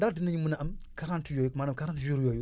ndax dina ñu mën a am 40 yooyu maanaam 40 jours yooyu